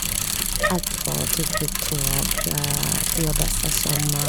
Etterpå tok vi toget til Odessa, som...